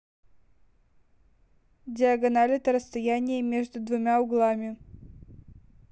диагональ это расстояние между двумя углами